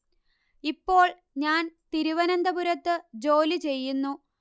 ഇപ്പോൾ ഞാൻ തിരുവനന്തപുരത്ത് ജോലി ചെയ്യുന്നു